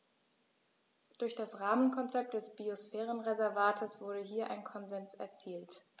Durch das Rahmenkonzept des Biosphärenreservates wurde hier ein Konsens erzielt.